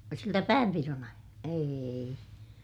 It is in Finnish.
siltä päänpidon - ei